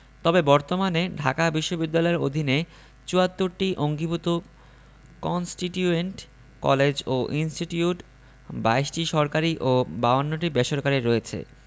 তবে বর্তমানে ঢাকা বিশ্ববিদ্যালয়ের অধীনে ৭৪টি অঙ্গীভুত কন্সটিটিউয়েন্ট কলেজ ও ইনস্টিটিউট ২২টি সরকারি ও ৫২টি বেসরকারি রয়েছে